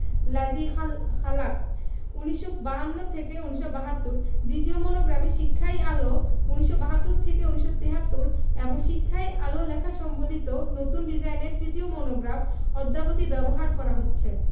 লাজি খালাক্ক ১৯৫২ থেকে ৭২ দ্বিতীয় মনোগ্রামে শিক্ষাই আলো ১৯৭২ থেকে ৭৩ এবং শিক্ষাই আলো লেখা সম্বলিত নতুন ডিজাইনের তৃতীয় মনোগ্রাম অদ্যাবধি ব্যবহার করা হচ্ছে